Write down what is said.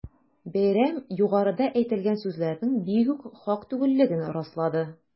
Бәйрәм югарыда әйтелгән сүзләрнең бигүк хак түгеллеген раслады.